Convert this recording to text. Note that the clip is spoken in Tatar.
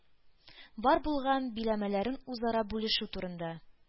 Бар булган биләмәләрен үзара бүлешү турында